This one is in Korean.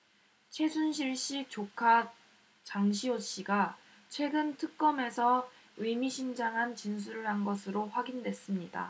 최순실 씨 조카 장시호 씨가 최근 특검에서 의미심장한 진술을 한 것으로 확인됐습니다